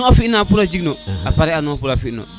nu de fina pour a jeg no a pare ano pour a fi no